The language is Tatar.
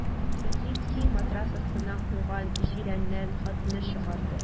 Петрицкий матрац астына куйган җирәннән хатны чыгарды.